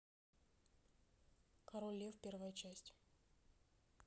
король лев первая часть